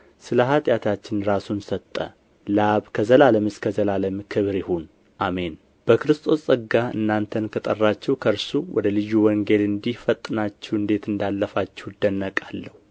ስለ ኃጢአታችን ራሱን ሰጠ ለአብ ከዘላለም እስከ ዘላለም ክብር ይሁን አሜን በክርስቶስ ጸጋ እናንተን ከጠራችሁ ከእርሱ ወደ ልዩ ወንጌል እንዲህ ፈጥናችሁ እንዴት እንዳለፋችሁ እደነቃለሁ